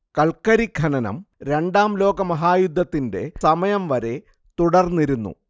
കൽക്കരി ഖനനം രണ്ടാം ലോകമഹായുദ്ധത്തിന്റെ സമയം വരെ തുടർന്നിരുന്നു